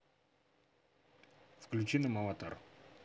включи нам аватар